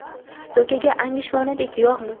dokaga angishvonadek yog'mi